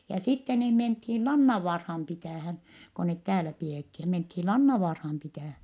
ja sitten niin mentiin Lannanvaaraan pitämään kun ne täällä pidettiin ja mentiin Lannanvaaraan pitämään